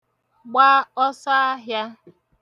gba ọsọahịā